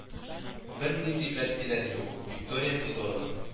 Бернинди бәлкиләр юк, Виктория Федоровна